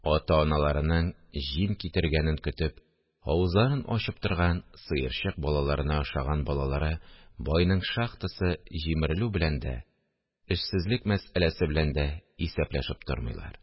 Ата-аналарының җим китергәнен көтеп, авызларын ачып торган сыерчык балаларына охшаган балалары байның шахтасы җимерелү белән дә, эшсезлек мәсьәләсе белән дә исәпләшеп тормыйлар